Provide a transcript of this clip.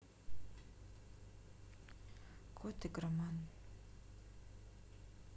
кот игроман